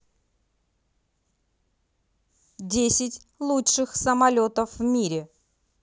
десять лучших самолетов в мире